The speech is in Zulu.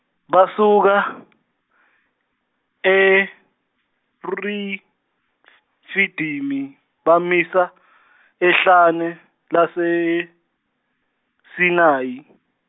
basuka ere- f- -fidimi bamisa ehlane laseSinayi.